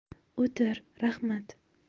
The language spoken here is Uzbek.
o'tir rahmat